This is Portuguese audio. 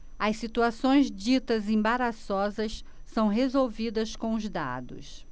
as situações ditas embaraçosas são resolvidas com os dados